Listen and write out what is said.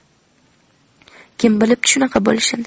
kim bilibdi shunaqa bo'lishini